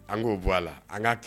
An k'o bɔ a la an ka